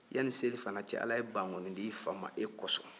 yani selifana cɛ ala ye bankoni di e fa ma e kosɔn